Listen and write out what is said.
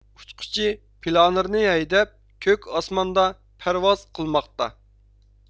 ئۇچقۇچى پلانېرنى ھەيدەپ كۆك ئاسماندا پەرۋاز قىلماقتا